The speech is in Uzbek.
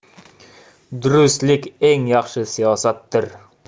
durustlik eng yaxshi siyosatdir